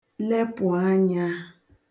lepụ̀ anyā